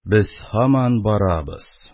Без һаман барабыз.